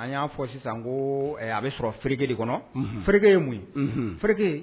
an y'a fɔ sisan ko a bɛ sɔrɔ fke de kɔnɔ fke ye mun yeke